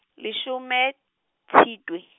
leshome, Tshitwe.